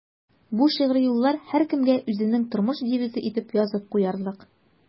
Бу шигъри юллар һәркемгә үзенең тормыш девизы итеп язып куярлык.